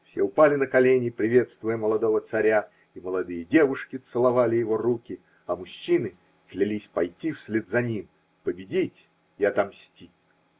все упали на колени, приветствуя молодого царя, и молодые девушки целовали его руки, а мужчины клялись пойти вслед за ним и победить и отомстить.